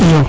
iyo